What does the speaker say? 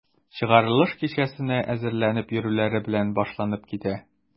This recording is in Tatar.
Чыгарылыш кичәсенә әзерләнеп йөрүләре белән башланып китә.